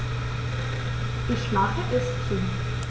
Ich mache es zu.